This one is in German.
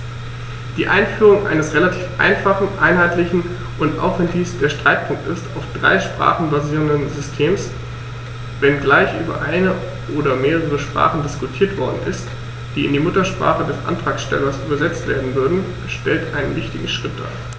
Die Einführung eines relativ einfachen, einheitlichen und - auch wenn dies der Streitpunkt ist - auf drei Sprachen basierenden Systems, wenngleich über eine oder mehrere Sprachen diskutiert worden ist, die in die Muttersprache des Antragstellers übersetzt werden würden, stellt einen wichtigen Schritt dar.